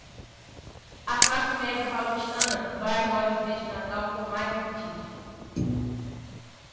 a classe média paulistana vai às lojas neste natal com mais apetite